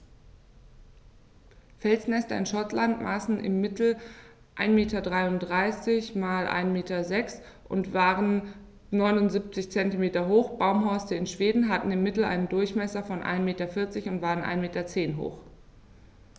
Felsnester in Schottland maßen im Mittel 1,33 m x 1,06 m und waren 0,79 m hoch, Baumhorste in Schweden hatten im Mittel einen Durchmesser von 1,4 m und waren 1,1 m hoch.